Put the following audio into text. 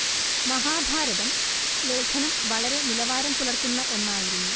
മഹാഭാരതം ലേഖനം വളരെ നിലവാരം പുലര്‍ത്തുന്ന ഒന്നായിരുന്നു